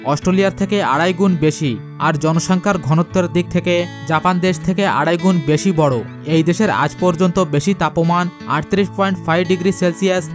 অস্ট্রেলিয়ার থেকে আড়াই গুণ বেশি আর জনসংখ্যার ঘনত্বের দিক থেকে জাপান দেশ থেকে আড়াই গুণ বেশি বড় এদেশের আজ পর্যন্ত বেশি তাপমান ৩৮.৫ ডিগ্রী সেলসিয়াস